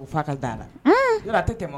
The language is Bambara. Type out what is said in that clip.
U fa ka da la, hun, yɔrɔ a tɛ tɛmɛ